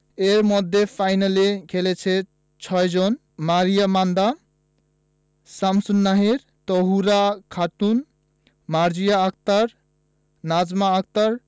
এর মধ্যে ফাইনালে খেলেছে ৬ জন মারিয়া মান্দা শামসুন্নাহার তহুরা খাতুন মার্জিয়া আক্তার নাজমা আক্তার